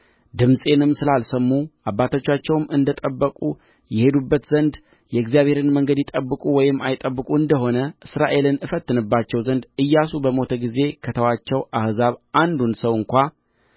ድምፄንም ስላልሰሙ አባቶቻቸውም እንደ ጠበቁ ይሄዱባት ዘንድ የእግዚአብሔርን መንገድ ይጠብቁ ወይም አይጠብቁ እንደ ሆነ እስራኤልን እፈትንባቸው ዘንድ ኢያሱ በሞተ ጊዜ ከተዋቸው አሕዛብ አንዱን ሰው እንኳ